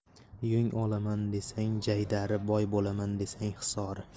yung olaman desang jaydari boy bo'laman desang hisori